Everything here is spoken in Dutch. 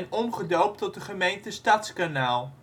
omgedoopt tot de gemeente Stadskanaal